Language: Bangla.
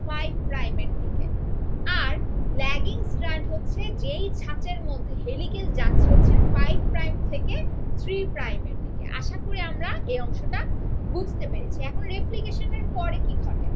ফাইভ প্রাইমের দিকে আর ল্যাগিং স্ট্র্যান্ড হচ্ছে যেই ছাঁচের মধ্যে হেলিকেজ যাচ্ছে হচ্ছে ফাইভ প্রাইম থেকে থ্রি প্রাইম এর দিকে আশা করি আমরা এই অংশ টা বুঝতে পেরেছি এখন রেপ্লিকেশনের পরে কি হবে